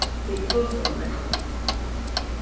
tit tosa ov nógv